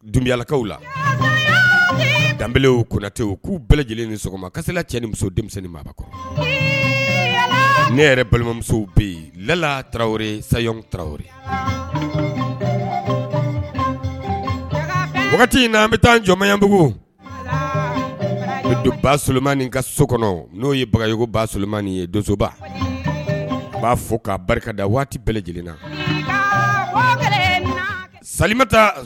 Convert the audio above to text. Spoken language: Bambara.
Bikaw la danbetɛ k'u bɛɛ lajɛlen cɛ ne yɛrɛ balimamuso bɛ taraweleo saɔno wagati in n an bɛ taa jɔnyabugu don bamaninin ka so kɔnɔ n'o ye bakarijan ba ye donsoba n b'a fɔ k'a barikada waati bɛɛ lajɛlenna